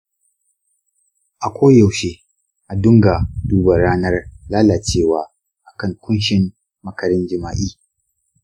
a koyaushe a dunga duba ranar lalacewa a kan kunshin makarin jima’i.